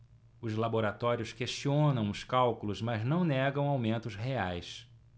os laboratórios questionam os cálculos mas não negam aumentos reais